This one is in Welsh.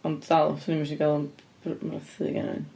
Ond dal, 'swn i'm isio cael 'y mrathu gan un.